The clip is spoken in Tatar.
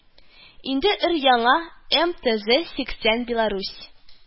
Инде өр-яңа мтз-сиксән беларусь